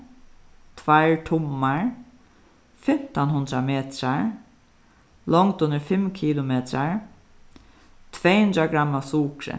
tveir tummar fimtan hundrað metrar longdin er fimm kilometrar tvey hundrað gramm av sukri